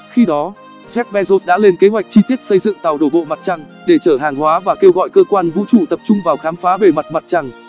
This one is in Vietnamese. khi đó jeff bezos đã lên kế hoạch chi tiết xây dựng tàu đổ bộ mặt trăng để chở hàng hóa và kêu gọi cơ quan vũ trụ tập trung vào khám phá bề mặt mặt trăng